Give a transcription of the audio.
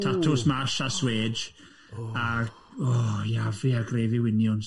Tatws marsh and swêj, a- o, Iafi a greif winiwns.